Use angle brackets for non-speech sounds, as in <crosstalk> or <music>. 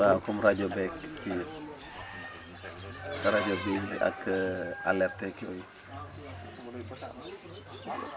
waaw comme rajo beeg kii <crosstalk> rajo bi ak <hesitation> alertes yeeg yooyu <crosstalk>